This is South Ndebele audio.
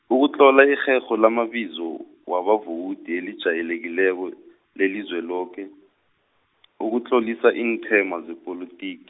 ukutlola irherho lamabizo, wabavowudi elijayelekileko, leliZweloke, ukutlolisa iinqhema zepolotiki.